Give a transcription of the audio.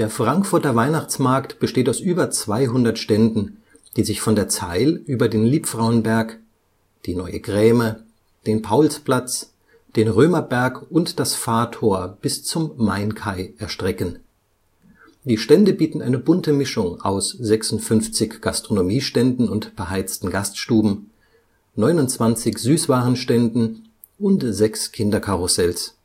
Frankfurter Weihnachtsmarkt besteht aus über 200 Ständen, die sich von der Zeil über den Liebfrauenberg, die Neue Kräme, den Paulsplatz, den Römerberg und das Fahrtor bis zum Mainkai erstrecken. Die Stände bieten eine bunte Mischung aus 56 Gastronomieständen und beheizten Gaststuben, 29 Süßwarenständen und 6 Kinderkarussells